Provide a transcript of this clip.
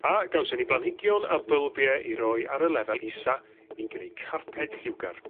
A gawson ni blanhigion a bulbia i roi ar y lefel isa i greu carped lliwgar.